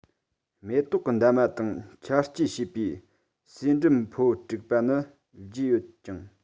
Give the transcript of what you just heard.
མེ ཏོག གི འདབ མ དང ཆ སྐྱེ བྱས པའི ཟེའུ འབྲུ ཕོ དྲུག པ ནི རྒྱས ཡོད ཅིང